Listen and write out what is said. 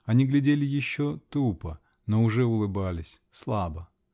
Они глядели еще тупо, но уже улыбались -- слабо